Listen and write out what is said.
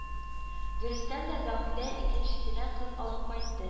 Дөрестән дә заһидә икенчесенә кыз алып кайтты